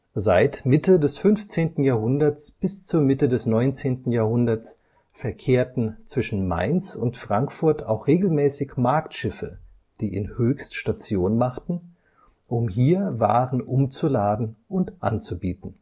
Seit Mitte des 15. Jahrhunderts bis zur Mitte des 19. Jahrhunderts verkehrten zwischen Mainz und Frankfurt auch regelmäßig Marktschiffe, die in Höchst Station machten, um hier Waren umzuladen und anzubieten